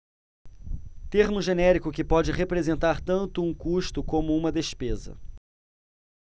termo genérico que pode representar tanto um custo como uma despesa